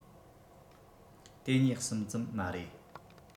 དེ གཉིས གསུམ ཙམ མ རེད